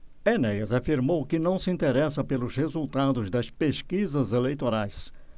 enéas afirmou que não se interessa pelos resultados das pesquisas eleitorais